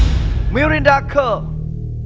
mi rin đa cơ